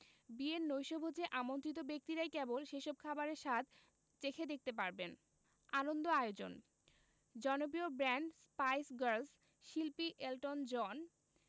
বিয়ের নৈশভোজে আমন্ত্রিত ব্যক্তিরাই কেবল সেসব খাবারের স্বাদ চেখে দেখতে পারবেন আনন্দ আয়োজন জনপ্রিয় ব্যান্ড স্পাইস গার্লস শিল্পী এলটন জন